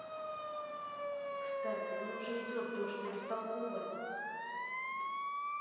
кстати он уже идет дождь ты бестолковая